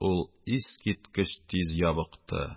Ул искиткеч тиз ябыкты.